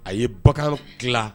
A ye bagan tila